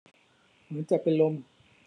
เหมือนจะเป็นลม